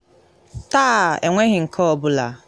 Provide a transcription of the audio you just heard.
“Taa, enweghị nke ọ bụla.”